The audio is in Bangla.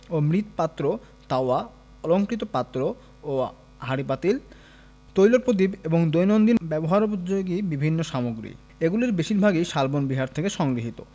ও মৃৎ পাত্র তাওয়া অলংকৃত পাত্র ও হাঁড়িপাতিল তৈল প্রদীপ এবং দৈনন্দিন ব্যবহারোপযোগী বিভিন্ন সামগ্রী এগুলির বেশিরভাগই শালবন বিহার থেকে সংগৃহীত